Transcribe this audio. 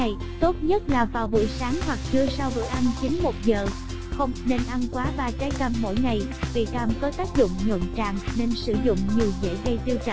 không nên ăn quá trái cam mỗi ngày vì cam có tác dụng nhuận tràng nên sử dụng nhiều dễ gây tiêu chảy